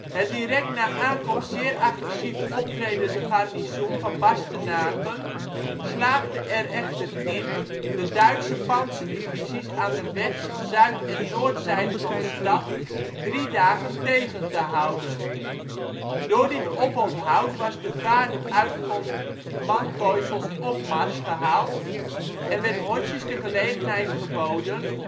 Het direct na aankomst zeer agressief optredende garnizoen van Bastenaken slaagde er echter in de Duitse pantserdivisies aan de west -, zuid - en noordzijde van de stad drie dagen tegen te houden. Door dit oponthoud was de vaart uit von Manteuffels opmars gehaald en werd Hodges de gelegenheid geboden